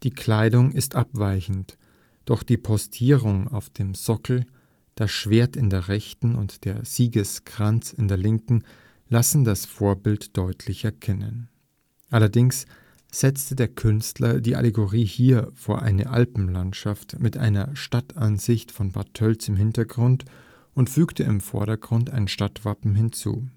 Kleidung ist abweichend, doch die Postierung auf dem Sockel, das Schwert in der Rechten und der Siegeskranz in der Linken lassen das Vorbild deutlich erkennen. Allerdings setzte der Künstler die Allegorie hier vor eine Alpenlandschaft mit einer Stadtansicht von Bad Tölz im Hintergrund und fügte im Vordergrund ein Stadtwappen hinzu